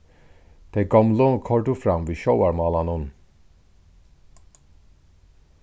tey gomlu koyrdu fram við sjóvarmálanum